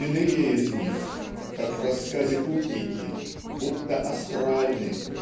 Иные из них (как в рассказе "Путники") будто астральны